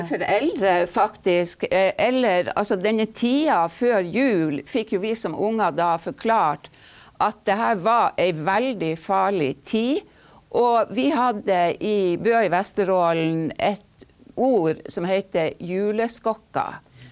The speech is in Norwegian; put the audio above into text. foreldre faktisk eller altså denne tida før jul fikk jo vi som unger da forklart at det her var ei veldig farlig tid, og vi hadde i Bø i Vesterålen et ord som hette juleskokker.